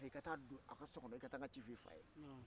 n ma a fɔ ko mɔgɔkɔrɔba jokojugu dɛ